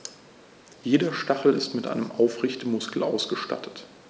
Jeder Stachel ist mit einem Aufrichtemuskel ausgestattet.